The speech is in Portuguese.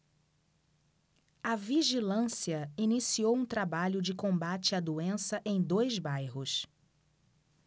a vigilância iniciou um trabalho de combate à doença em dois bairros